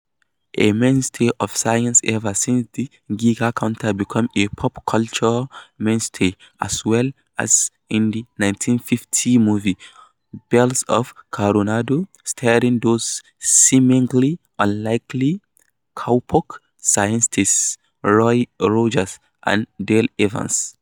A mainstay of science ever since, the Geiger Counter became a pop culture mainstay as well, as in the 1950 movie "Bells of Coronado," starring those seemingly unlikely cowpoke scientists Roy Rogers and Dale Evans: